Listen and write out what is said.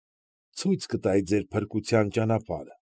Ցույց կտայի ձեր փրկության ճանապարհը։